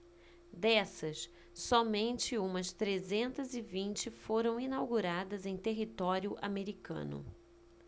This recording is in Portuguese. dessas somente umas trezentas e vinte foram inauguradas em território americano